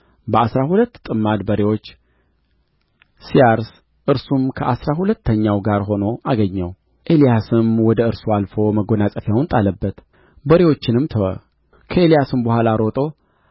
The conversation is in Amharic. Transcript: በአሥራ ሁለት ጥማድ በሬዎች ሲያርስ እርሱም ከአሥራ ሁለተኛው ጋር ሆኖ አገኘው ኤልያስም ወደ እርሱ አልፎ መጐናጸፊያውን ጣለበት በሬዎቹንም ተወ ከኤልያስም በኋላ ሮጦ